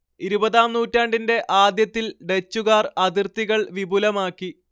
ഇരുപതാം നൂറ്റാണ്ടിന്റെ ആദ്യത്തിൽ ഡച്ചുകാർ അതിർത്തികൾ വിപുലമാക്കി